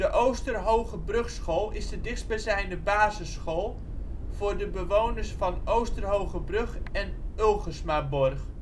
Oosterhoogebrugschool is de dichtstbijzijnde basisschool voor de bewoners van Oosterhoogebrug en Ulgersmaborg